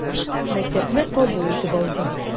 Мәктәпне кабул итеп алды.